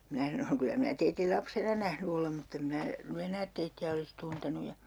minä sanoin kyllä minä teidät lapsena nähnyt olen mutta en minä nyt enää teitä olisi tuntenut ja